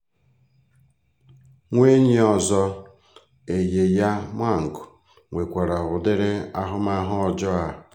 Nwa enyi ọzọ, Ayeyar Maung, nwekwara udiri ahụmahụ ọjọọ a.